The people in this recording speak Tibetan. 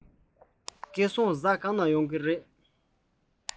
སྐལ བཟང རེས གཟའ ག པར ཡོང གི རེད